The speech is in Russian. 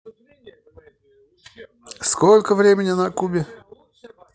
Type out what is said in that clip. сколько времени на кубе